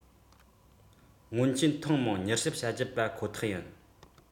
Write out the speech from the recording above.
སྔོན ཆད ཐེངས མང མྱུལ ཞིབ བྱ རྒྱུ པ ཁོ ཐག ཡིན